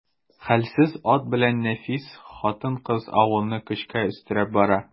Хәлсез ат белән нәфис хатын-кыз авылны көчкә өстерәп бара.